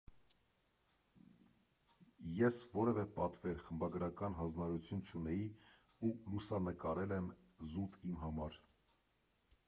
Ես որևէ պատվեր, խմբագրական հանձնարարություն չունեի ու լուսանկարել եմ զուտ իմ համար։